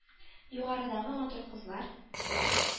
Югарыдагы матур кызлар,